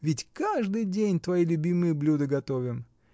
Ведь каждый день твои любимые блюда готовим.